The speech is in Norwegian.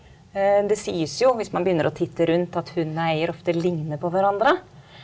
det sies jo hvis man begynner å titte rundt at hund og eier ofte ligner på hverandre.